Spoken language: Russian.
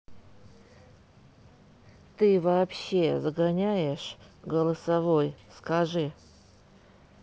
ты вообще загоняешь голосовой скажи